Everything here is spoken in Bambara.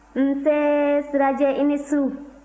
nse sirajɛ i ni su